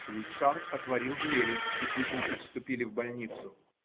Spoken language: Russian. Швейцар отворил двери, и путники вступили в больницу.